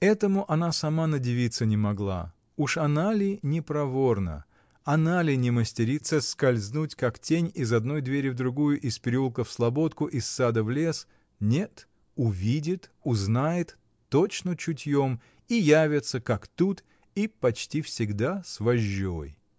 Этому она сама надивиться не могла: уж она ли не проворна, она ли не мастерица скользнуть, как тень, из одной двери в другую, из переулка в слободку, из сада в лес, — нет, увидит, узнает, точно чутьем, и явится, как тут, и почти всегда с вожжой!